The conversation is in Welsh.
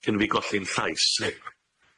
Cyn fi golli'n llais.